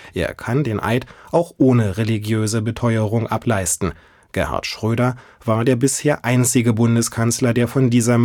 Er kann den Eid auch ohne religiöse Beteuerung ableisten; Gerhard Schröder war der bisher einzige Bundeskanzler, der von dieser